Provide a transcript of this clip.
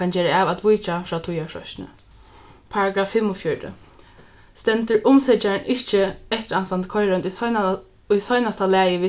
kann gera av at víkja frá tíðarfreistini paragraff fimmogfjøruti stendur umsøkjarin ikki eftiransandi koyriroynd í í seinasta lagi við